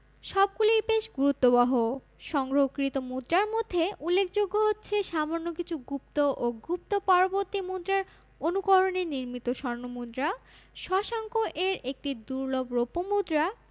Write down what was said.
সবগুলিই বেশ গুরুত্ববহ সংগ্রহকৃত মুদ্রার মধ্যে উল্লেখযোগ্য হচ্ছে সামান্য কিছু গুপ্ত ও গুপ্ত পরবর্তী মুদ্রার অনুকরণে নির্মিত স্বর্ণ মুদ্রা শশাঙ্ক এর একটি দুর্লভ রৌপ্য মুদ্রা